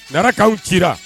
Nanakaw cira